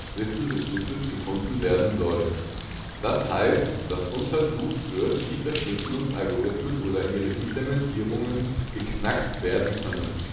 Wissen des Schlüssels gefunden werden soll. Das heißt, dass untersucht wird, wie Verschlüsselungsalgorithmen oder ihre Implementierungen " geknackt " werden können